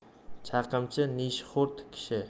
chaqimchi nishxo'rd kishi